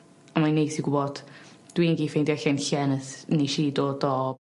a mae'n neis i gwbod dwi 'di ffeindio lle n- lle nes nesh i dod o